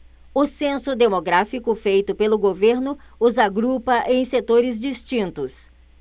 o censo demográfico feito pelo governo os agrupa em setores distintos